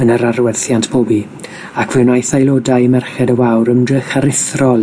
yn yr arwerthiant pobi, ac fe wnaeth aelodau Merched y Wawr ymdrech aruthrol